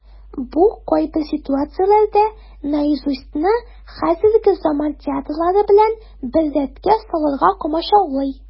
Бу кайбер ситуацияләрдә "Наизусть"ны хәзерге заман театрылары белән бер рәткә салырга комачаулый.